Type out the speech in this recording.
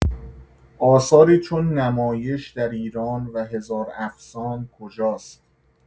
آثاری چون نمایش در ایران و هزار افسان کجاست؟